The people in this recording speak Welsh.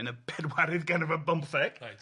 yn y penwarydd ganrif ar bymtheg reit.